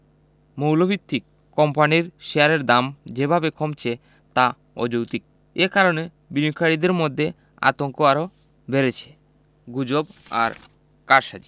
মৌলভিত্তির কোম্পানির শেয়ারের দাম যেভাবে কমছে তা অযৌতিক এ কারণে বিনিয়োগকারীদের মধ্যে আতঙ্ক আরও বেড়েছে গুজব আর কারসাজি